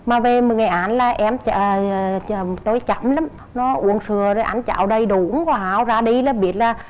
mà về nghệ an là em trai chồng tôi chậm lắm nó uống sữa ăn cháo đầy đủ không có ao ra đi là biết là